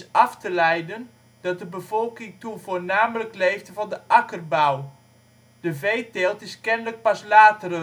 af te leiden dat de bevolking toen voornamelijk leefde van de akkerbouw. De veeteelt is kennelijk pas later